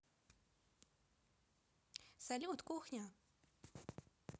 салют кухня